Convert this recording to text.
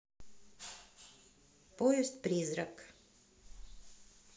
поезд призрак